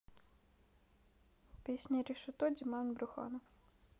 песня решето диман брюханов